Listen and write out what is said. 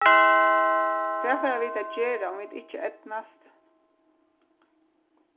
hvat fara vit at gera um vit ikki eydnast